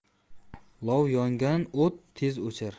lov yongan o't tez o'char